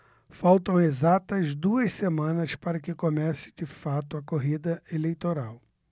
faltam exatas duas semanas para que comece de fato a corrida eleitoral